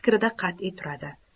fikrida qat'iy turadi